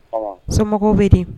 Somɔgɔw bɛ di